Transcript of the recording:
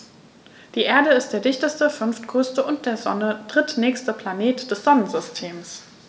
Die Erde ist der dichteste, fünftgrößte und der Sonne drittnächste Planet des Sonnensystems.